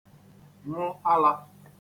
nwụ alā